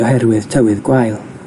oherwydd tywydd gwael.